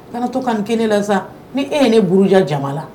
Kana to ka ni kɛ ne la ni e ye ne buruja jamana la